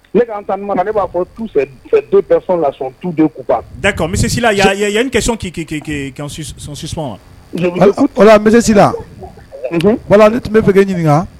Ne ne b'a fɔ tu tusila yan kɛ k'si wa wala tun bɛ fɛ ɲininka